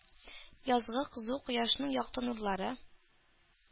Язгы кызу кояшның якты нурлары,